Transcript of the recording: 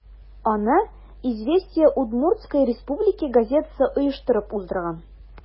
Аны «Известия Удмуртсткой Республики» газетасы оештырып уздырган.